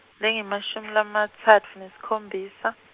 lengemashumi lamatsatfu nesikhombisa.